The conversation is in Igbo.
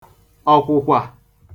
ọ̀kwụ̀kwà